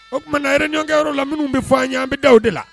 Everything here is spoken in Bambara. O tumana réunion kɛyɔrɔw la minnu bɛ fɔ an ye an bɛ da o de la